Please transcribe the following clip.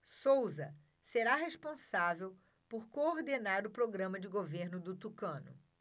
souza será responsável por coordenar o programa de governo do tucano